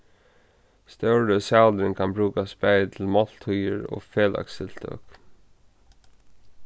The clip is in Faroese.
stóri salurin kann brúkast bæði til máltíðir og felagstiltøk